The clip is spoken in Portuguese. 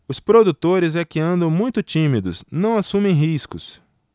os produtores é que andam muito tímidos não assumem riscos